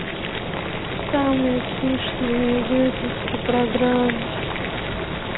самые смешные выпуски программ